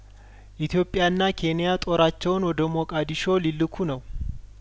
ኢትዮጵያና ኬንያ ጦራቸውን ወደ ሞቃዲሾ ሊልኩ ነው